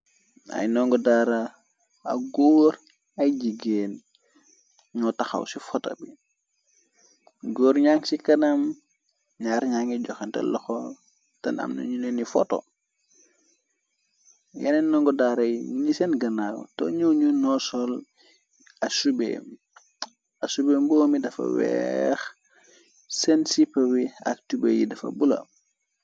Ayy ndongo daara ak góor ay jigeen ñoo taxaw ci foto bi góor ñang ci kanam ñar ñange joxante loxo ten amna ñu leeni foto yeneen ndongo daaray ñi seen ganaaw te ñu ñu nosol a sube mboomi dafa weex seen sipawe ak tube yi dafa bula.